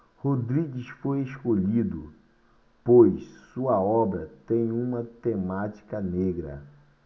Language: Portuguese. rodrigues foi escolhido pois sua obra tem uma temática negra